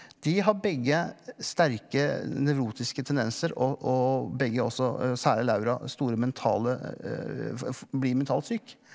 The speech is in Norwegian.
de har begge sterke nevrotiske tendenser og og begge også særlig Laura store mentale blir mentalt syk.